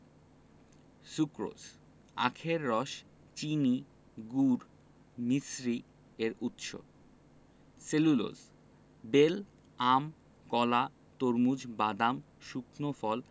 sucrose আখের রস চিনি গুড় মিছরি এর উৎস সেলুলোজ বেল আম কলা তরমুজ বাদাম শুকনো ফল